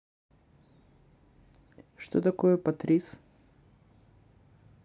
что такое патрис